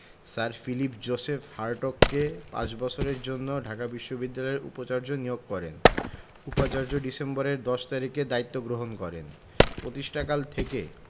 sir Philip Joseph হার্টগকে পাঁচ বছরের জন্য ঢাকা বিশ্ববিদ্যালয়ের উপাচার্য নিয়োগ করেন উপাচার্য ডিসেম্বরের ১০ তারিখে দায়িত্ব গ্রহণ করেন প্রতিষ্ঠাকাল থেকে